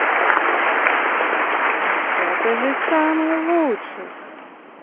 это же самый лучший